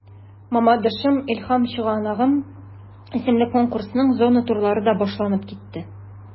“мамадышым–илһам чыганагым” исемле конкурсның зона турлары да башланып китте.